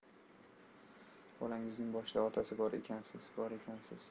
bolangizni boshida otasi bor ekan siz bor ekansiz